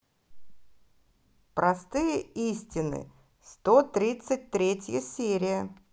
простые истины сто тридцать третья серия